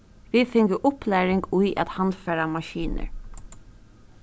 vit fingu upplæring í at handfara maskinur